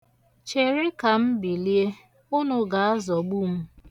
Chere ka m bilie, ụnụ ga-azọgbu m.